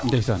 ndeysaan